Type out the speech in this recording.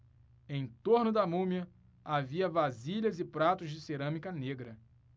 em torno da múmia havia vasilhas e pratos de cerâmica negra